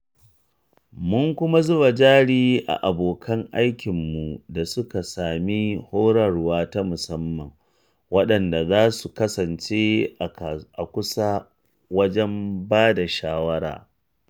Mun kuma zuba jari a abokan aikinmu da suka sami horarwa ta musamman waɗanda za su kasance a kusa wajen ba da shawara.